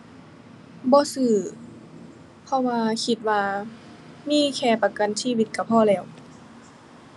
บ่ซื้อ เพราะว่าคิดว่ามีแค่ประกันชีวิตก็พอแล้ว